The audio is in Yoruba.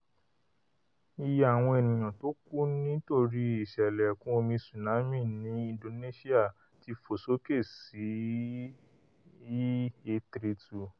Iye àwọn eniyan tókú nítorí ìṣẹ̀lẹ̀ ẹ̀kún omi tsunsmi ni Indonesia tí fò sókè sí e832.